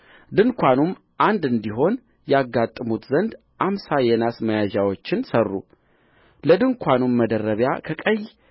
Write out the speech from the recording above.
ድንኳኑም አንድ እንዲሆን ያጋጥሙት ዘንድ አምሳ የናስ መያዣዎችን ሠሩ ለድንኳኑም መደረቢያ ከቀይ